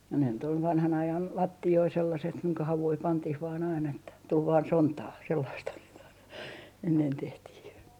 ja ne nyt oli vanhan ajan lattioita sellaiset kuinka havuja pantiin vain aina että tuli vain sontaa sellaistahan sitä aina ennen tehtiin